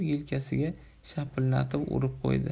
yelkasiga shapillatib urib qo'ydi